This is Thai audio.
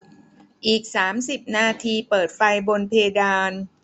อีกสามสิบนาทีเปิดไฟบนเพดาน